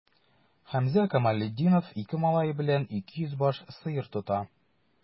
Хәмзә Камалетдинов ике малае белән 200 баш сыер тота.